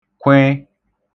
kwịị